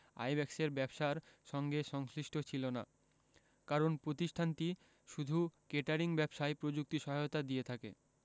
আইব্যাকসের ব্যবসার সঙ্গে সংশ্লিষ্ট ছিল না কারণ প্রতিষ্ঠানটি শুধু কেটারিং ব্যবসায় প্রযুক্তি সহায়তা দিয়ে থাকে